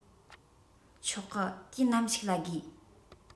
ཆོག གི དུས ནམ ཞིག ལ དགོས